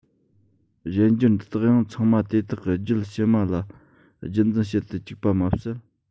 གཞན འགྱུར འདི དག ཡང ཚང མ དེ དག གི རྒྱུད ཕྱི མ ལ རྒྱུད འཛིན བྱེད དུ བཅུག པ མ ཟད